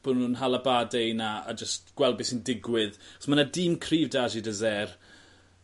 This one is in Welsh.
bo' nw'n hala Bardet 'na a jyst gweld be' sy'n digwydd. Achos ma' 'na dîm cryf 'da Aa Ji deus Er